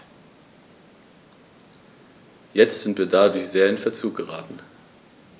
Jetzt sind wir dadurch sehr in Verzug geraten.